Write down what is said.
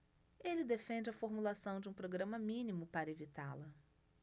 ele defende a formulação de um programa mínimo para evitá-la